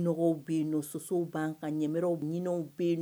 Ɔgɔ bɛ yen nɔ sosow ban ka ɲaɛrɛwinw bɛ yen